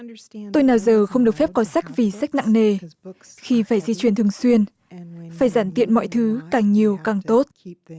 tôi nào giờ không được phép có sách vì sách nặng nề khi phải di chuyển thường xuyên phải giản tiện mọi thứ càng nhiều càng tốt